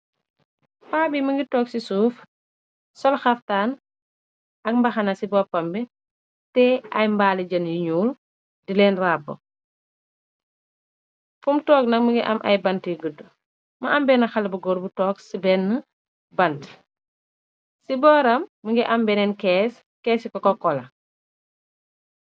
Paa bi mungi tóóg ci suuf sol xaftaan ak mbaxana ci bópambi teyah ay mbaali jën yu ñuul dileen rabbu fum tóóg nat mu ngi am ay bant yi guddu mu am bena xaleh bu gór bu tóóg ci benna bant ci bóram mu ngi am benen kès, kès ku koko kola.